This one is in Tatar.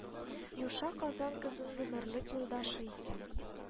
Юша Казан кызын гомерлек юлдашы иткән